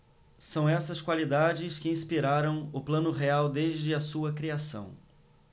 são essas qualidades que inspiraram o plano real desde a sua criação